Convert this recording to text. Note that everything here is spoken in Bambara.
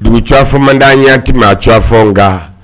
dugu fɔma' ɲɛti a c fɔ nka